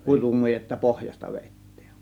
kutumujetta pohjasta vedettiin